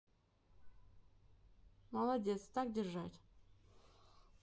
молодец так держать